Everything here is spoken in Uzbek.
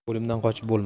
o'limdan qochib bo'lmas